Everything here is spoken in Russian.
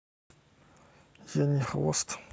я не хвост